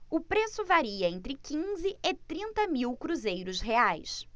o preço varia entre quinze e trinta mil cruzeiros reais